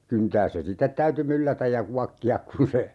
kyntää se sitten täytyi myllätä ja kuokkia kun se